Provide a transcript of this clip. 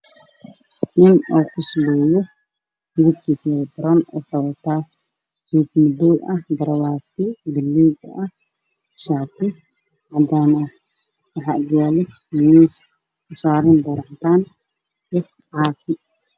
Halkaan waxaa ka muuqdo nin dhoolcadaynaayo waxa uuna qabaa suit madaw ah iyo shaati buluug ah